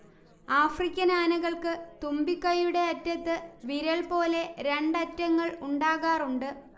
African ആനകൾക്ക് തുമ്പിക്കൈയുടെ അറ്റത്ത് വിരൽ പോലെ രണ്ടറ്റങ്ങൾ ഉണ്ടാകാറുണ്ട്